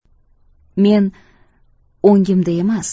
men o'ngimda emas